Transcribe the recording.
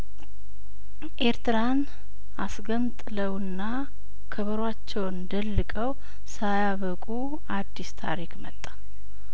ኤርትራን አስገን ጥለውና ከበሮአቸውን ደ ልቀው ሳያበቁ አዲስ ታሪክ መጣ